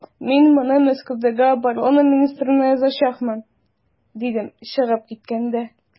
Мин моны Мәскәүгә оборона министрына язачакмын, дидем чыгып киткәндә.